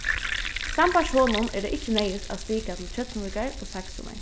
sambært honum er tað ikki neyðugt at stika til tjørnuvíkar og saksunar